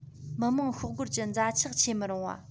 མི དམངས ཤོག སྒོར གྱི འཛའ ཆག ཆེ མི རུང བ